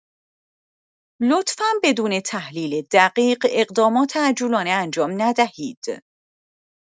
لطفا بدون تحلیل دقیق، اقدامات عجولانه انجام ندهید.